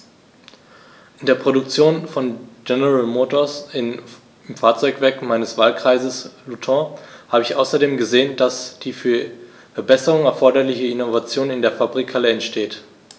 In der Produktion von General Motors, im Fahrzeugwerk meines Wahlkreises Luton, habe ich außerdem gesehen, dass die für Verbesserungen erforderliche Innovation in den Fabrikhallen entsteht.